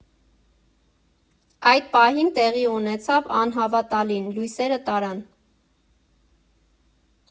Այդ պահին տեղի ունեցավ անհավատալին՝ լույսերը տարան։